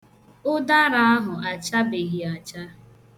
Ụdara ahụ achabeghị acha.